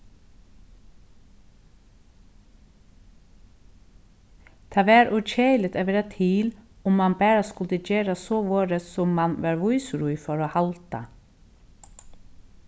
tað var ov keðiligt at vera til um man bara skuldi gera sovorðið sum mann var vísur í fór at halda